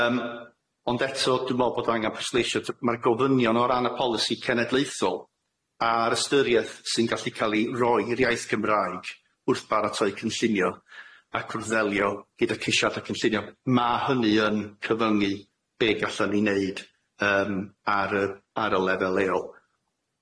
Yym, ond eto dwi me'wl bod angan presleisio t- ma'r gofynion o ran y polisi cenedlaethol a'r ystyriaeth sy'n gallu ca'l i roi i'r iaith Gymraeg wrth baratoi cynllunio ac wrddelio gyda cysiad a cynllunio ma' hynny yn cyfyngu be' gallwn ni neud yym ar y ar y lefel leol.